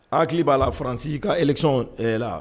A hakili ba la faransi ka élection